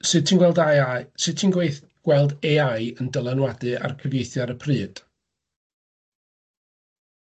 Sud ti'n gweld A Ai sut ti'n gweith- gweld Ay I yn dylanwadu ar cyfieithu ar y pryd?